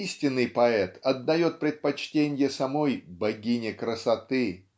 Истинный поэт отдает предпочтенье самой "богине красоты"